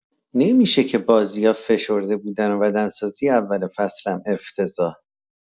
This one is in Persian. نمی‌شه که بازی‌ها فشرده بودن و بدنسازی اول فصل هم افتضاح